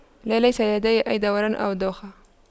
لا ليس لدي أي دوران أو دوخة